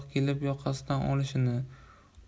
kelib yoqasidan olishini